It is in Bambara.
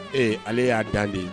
Ee ale ya dan de ye.